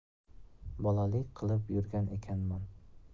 bolalik qilib yurgan ekanman